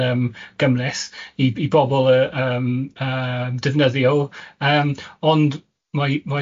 yn gymhleth i i bobl yy yym yy defnyddio yym, ond mae mae